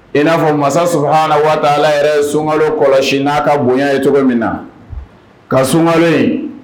In n'a fɔ mansa su waa ala yɛrɛ sunkalo kɔlɔsi n'a ka bonya ye cogo min na ka sunka yen